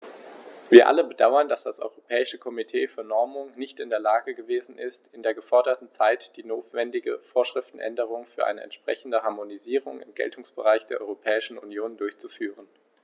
Wir alle bedauern, dass das Europäische Komitee für Normung nicht in der Lage gewesen ist, in der geforderten Zeit die notwendige Vorschriftenänderung für eine entsprechende Harmonisierung im Geltungsbereich der Europäischen Union durchzuführen.